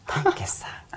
ikke sant.